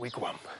wigwam.